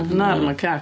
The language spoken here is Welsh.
Na'r macaque.